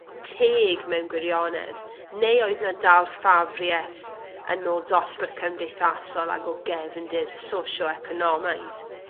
teg mewn gwirionedd neu oedd 'ny dal ffafrieth yn ôl dosbarth cymdeithasol ac o gefndir sosio-economaidd?